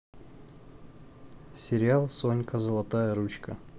сериал сонька золотая ручка